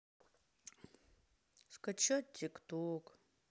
скачать тикток